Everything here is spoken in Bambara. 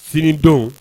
Sini don